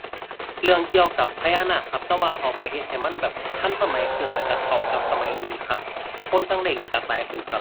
เรื่องเกี่ยวกับพญานาคครับ แต่ว่าเอาไปเฮ็ดให้มันแบบทันสมัยขึ้น แล้วก็เข้ากับสมัยนี้ครับ คนจั่งได้รู้จักหลายขึ้นครับ